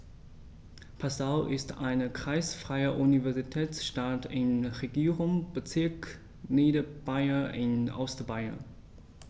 Passau ist eine kreisfreie Universitätsstadt im Regierungsbezirk Niederbayern in Ostbayern.